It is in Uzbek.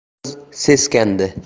qiz seskandi